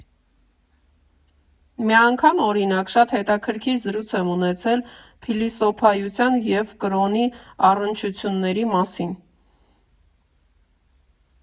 Մի անգամ, օրինակ, շատ հետաքրքիր զրույց եմ ունեցել փիլիսոփայության և կրոնի առնչությունների մասին։